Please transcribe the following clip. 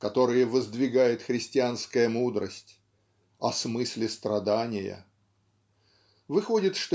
которые воздвигает христианская мудрость о смысле страдания. Выходит